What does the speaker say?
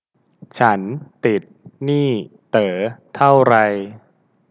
ฉันติดหนี้เต๋อเท่าไร